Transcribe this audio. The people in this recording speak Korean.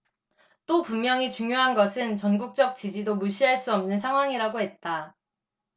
또 분명히 중요한 것은 전국적 지지도 무시할 수 없는 상황이라고 했다